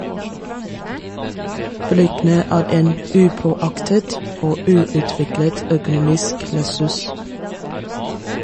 Bryggene er en upåaktet og uutviklet økonomisk ressurs.